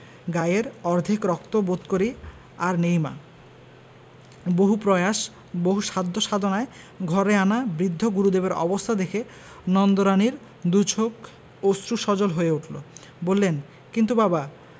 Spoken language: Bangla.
গায়ের অর্ধেক রক্ত বোধ করি আর নেই মা বহু প্রয়াস বহু সাধ্য সাধনায় ঘরে আনা বৃদ্ধ গুরুদেবের অবস্থা দেখে নন্দরানীর দু'চোখ অশ্রু সজল হয়ে উঠল বললেন কিন্তু বাবা